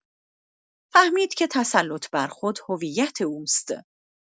فهمید که تسلط بر خود، هویت اوست.